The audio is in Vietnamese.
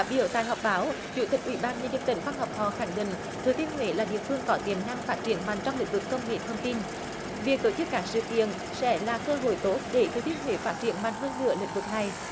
biểu tại họp báo chủ tịch ủy ban nhân dân tỉnh phan ngọc thọ khẳng định thừa thiên huế là địa phương có tiềm năng phát triển mạnh trong lĩnh vực công nghệ thông tin việc tổ chức các sự kiện sẽ là cơ hội tốt để thừa thiên huế phát triển mạnh hơn nữa lĩnh vực này